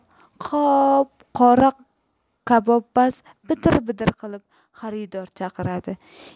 qop qora kabobpaz bidir bidir qilib xaridor chaqiradi